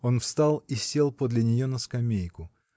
Он встал и сел подле нее на скамейку.